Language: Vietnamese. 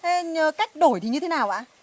thế cách đổi thì như thế nào ạ